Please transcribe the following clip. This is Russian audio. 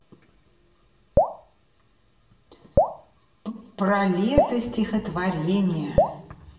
про лето стихотворение